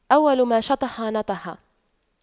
أول ما شطح نطح